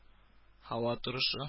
Һава торышы